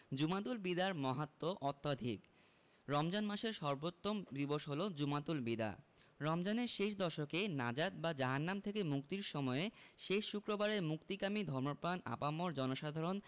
জুমাতুল বিদার মাহাত্ম্য অত্যধিক রমজান মাসের সর্বোত্তম দিবস হলো জুমাতুল বিদা রমজানের শেষ দশকে নাজাত বা জাহান্নাম থেকে মুক্তির সময়ে শেষ শুক্রবারে মুক্তিকামী ধর্মপ্রাণ আপামর জনসাধারণ